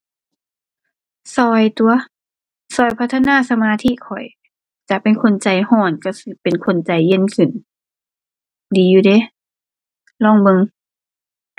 ช่วยตั่ว ช่วยพัฒนาสมาธิข้อย จากเป็นคนใจช่วยช่วยสิเป็นคนใจเย็นขึ้น ดีอยู่เดะ ลองเบิ่ง